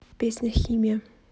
песня химия